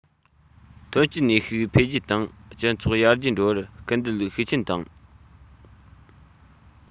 ཐོན སྐྱེད ནུས ཤུགས འཕེལ རྒྱས དང སྤྱི ཚོགས ཡར རྒྱས འགྲོ བར སྐུལ འདེད ཤུགས ཆེན བཏང